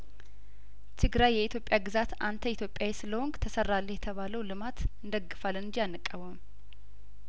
ትግራይ የኢትዮጵያ ግዛት አንተ ኢትዮጵያዊ ስለሆንክ ተሰራልህ የተባለው ልማት እንደግፋለን እንጂ አንቃወምም